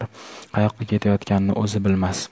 qayoqqa ketayotganini o'zi bilmas